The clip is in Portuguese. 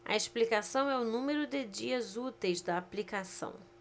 a explicação é o número de dias úteis da aplicação